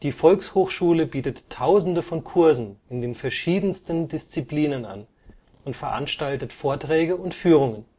Volkshochschule bietet tausende von Kursen in den verschiedensten Disziplinen an und veranstaltet Vorträge und Führungen